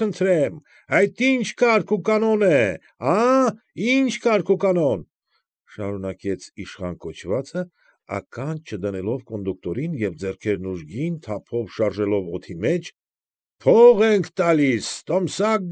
Խնդրեմ, այդ ի՞նչ կարգ ու կանոն է, աա՞, ի՞նչ կարգ ու կանոն,֊ շարունակեց իշխան կոչվածը, ականջ չդնելով կոնդուկտորին և ձեռքերն ուժգին թափով շարժելով օդի մեջ,֊ փող ենք տալիս, տոմսակ։